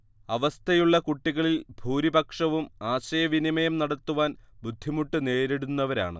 അവസ്ഥയുള്ള കുട്ടികളിൽ ഭൂരിപക്ഷവും ആശയവിനിമയം നടത്തുവാൻ ബുദ്ധിമുട്ട് നേരിടുന്നവരാണ്